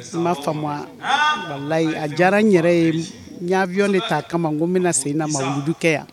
I ma fa layi a diyara n yɛrɛ yey de taa kama ko n bɛna se na ma ɲi du kɛ yan